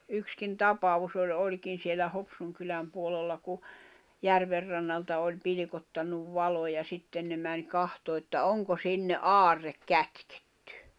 yksikin tapaus oli olikin siellä Hopsun kylän puolella kun järvenrannalta oli pilkottanut valo ja sitten ne meni katsomaan että onko sinne aarre kätketty